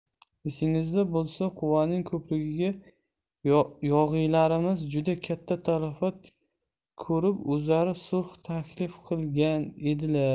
esingizda bo'lsa quvaning ko'prigida yog'iylarimiz juda katta talafot ko'rib o'zlari sulh taklif qilgan edilar